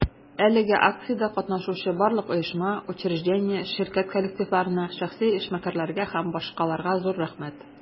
Әлеге акциядә катнашучы барлык оешма, учреждение, ширкәт коллективларына, шәхси эшмәкәрләргә һ.б. зур рәхмәт!